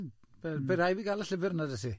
Be' rhaid fi gael y llyfr na da ti?